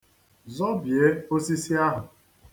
Zọbie osisi ahụ